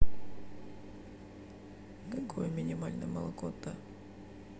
какое минимальное молоко да